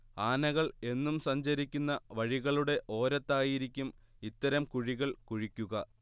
ആനകൾ എന്നും സഞ്ചരിക്കുന്ന വഴികളുടെ ഓരത്തായിരിക്കും ഇത്തരം കുഴികൾ കുഴിക്കുക